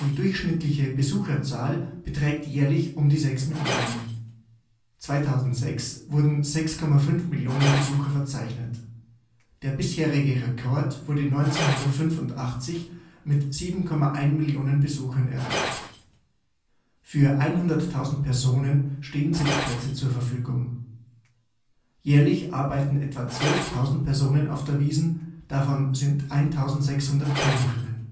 durchschnittliche Besucherzahl beträgt jährlich um die 6 Millionen. 2006 wurden 6,5 Millionen Besucher verzeichnet. Der bisherige Rekord wurde 1985 mit 7,1 Millionen Besuchern erreicht. Für 100.000 Personen stehen Sitzplätze zur Verfügung. Jährlich arbeiten etwa 12.000 Personen auf der Wiesn, davon sind 1.600 Kellnerinnen